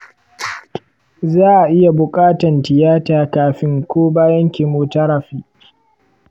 za'a iya buƙatan tiyata kafin ko bayan chemotherapy.